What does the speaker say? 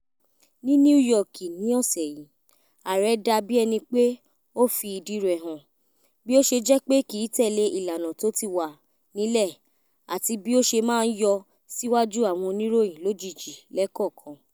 Ní New York ní ọ́ṣẹ̀ yìí, ààrẹ́ dá bí ẹnípé ó fi ìdí rẹ̀ hàn, bí ó ṣe jẹ́ pé kìí tẹ̀lé ìlànà to ti wa nílẹ̀ àti bí ó ṣe máa ń yọ síwájú àwọn oníròyìn lójijì lẹ́ẹ̀kọ̀kan.